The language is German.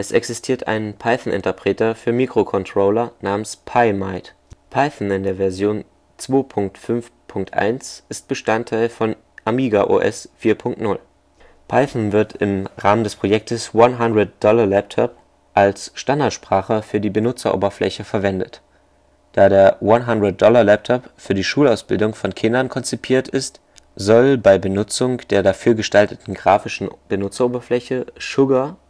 existiert ein Python-Interpreter für Mikrocontroller namens PyMite. Python in der Version 2.5.1 ist Bestandteil von AmigaOS 4.0. Python wird im Rahmen des Projektes 100-Dollar-Laptop als Standardsprache für die Benutzeroberfläche verwendet. Da der 100-Dollar-Laptop für die Schulausbildung von Kindern konzipiert ist, soll bei Benutzung der dafür gestalteten grafischen Benutzeroberfläche „ Sugar